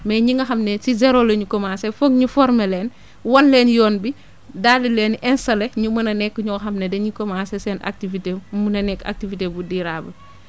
mais ñi nga xam ne ci zero la ñu commencé foog ñu former leen wan leen yoon bi daal di leen di installé ñu mën a nekk ñoo xam ne dañuy commencé seen activité mu mun a nekk activité bu rurable